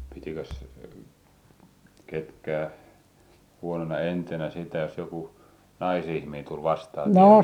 pitikös ketkään huonona enteenä sitä jos joku naisihminen tuli vastaan tiellä